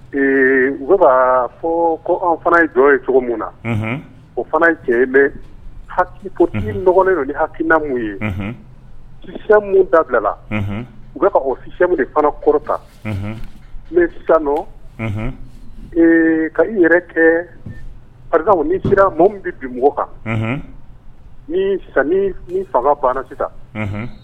U fɔ ko an fana jɔ ye cogo min na o fana cɛ mɛ haki dɔgɔnin ni hakiina minnu yeyɛn minnu dabilala u oyɛn minnu de fana kɔrɔta n ka i yɛrɛ kɛ ara n sera mun min bɛ bi mɔgɔw kan fanga banna sisan